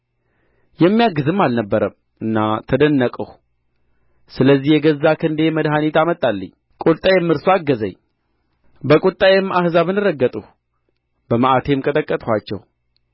የሚያግዝም አልነበረምና ተደነቅሁ ስለዚህ የገዛ ክንዴ መድኃኒት አመጣልኝ ቍጣዬም እርሱ አገዘኝ በቍጣዬም አሕዛብን ረገጥሁ በመዓቴም ቀጠቀጥኋቸው